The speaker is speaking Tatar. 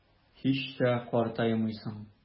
Һич тә картаймыйсың.